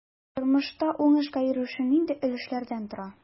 Тормышта уңышка ирешү нинди өлешләрдән тора?